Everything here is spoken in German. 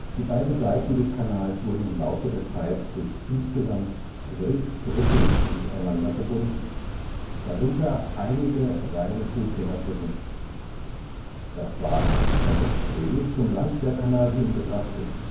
Die beiden Seiten des Kanals wurden im Laufe der Zeit durch insgesamt zwölf Brücken miteinander verbunden, darunter einige reine Fußgängerbrücken. Das waren von der Spree zum Landwehrkanal hin betrachtet